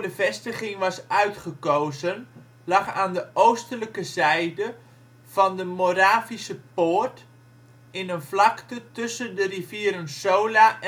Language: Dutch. vestiging was uitgekozen lag aan de oostelijke zijde van de Moravische Poort, in een vlakte tussen de rivieren Sola